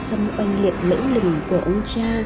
oanh liệt lẫy lừng của ông cha